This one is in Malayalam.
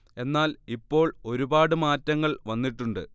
എന്നാൽ ഇപ്പോൾ ഒരുപാട് മാറ്റങ്ങൾ വന്നിട്ടുണ്ട്